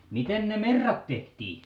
miten ne merrat tehtiin